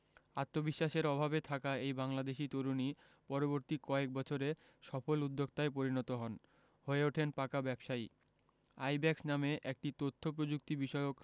আত্মবিশ্বাসের অভাবে থাকা এই বাংলাদেশি তরুণই পরবর্তী কয়েক বছরে সফল উদ্যোক্তায় পরিণত হন হয়ে ওঠেন পাকা ব্যবসায়ী আইব্যাকস নামে একটি তথ্যপ্রযুক্তিবিষয়ক